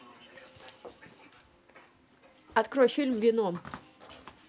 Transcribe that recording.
открой фильм веном